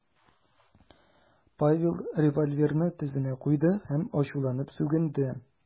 Павел револьверны тезенә куйды һәм ачуланып сүгенде .